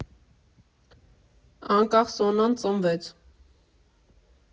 Անկախ Սոնան ծնվեց։